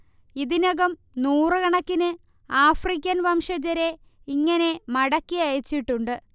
ഇതിനകം നൂറു കണക്കിന് ആഫ്രിക്കൻ വംശജരെ ഇങ്ങനെ മടക്കി അയച്ചിട്ടുണ്ട്